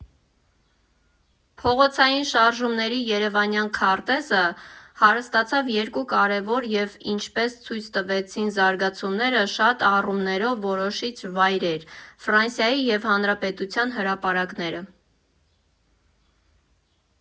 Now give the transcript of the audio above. Փողոցային շարժումների երևանյան քարտեզը հարստացավ երկու կարևոր և, ինչպես ցույց տվեցին զարգացումները, շատ առումներով որոշիչ վայրեր՝ Ֆրանսիայի և Հանրապետության հրապարակները։